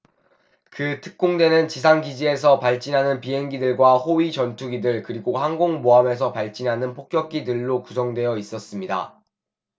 그 특공대는 지상 기지에서 발진하는 비행기들과 호위 전투기들 그리고 항공모함에서 발진하는 폭격기들로 구성되어 있었습니다